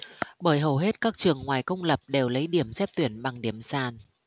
bởi hầu hết các trường ngoài công lập đều lấy điểm xét tuyển bằng điểm sàn